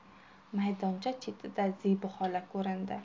maydoncha chetida zebi xola ko'rindi